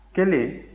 kelen